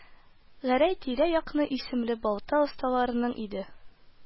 Гәрәй тирә-якның исемле балта осталарыннан иде